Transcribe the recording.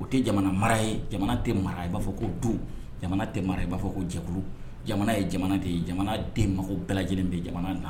O tɛ jamana mara ye jamana tɛ mara i b'a fɔ ko do jamana tɛ mara i b'a fɔ ko jɛkulu jamana ye jamana de ye jamana den mago bɛɛ lajɛlen bɛ jamana na